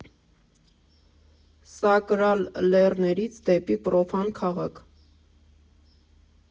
ՍԱԿՐԱԼ ԼԵՌՆԵՐԻՑ ԴԵՊԻ ՊՐՈՖԱՆ ՔԱՂԱՔ.